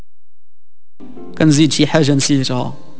تنزيل شيء حاجه نسيت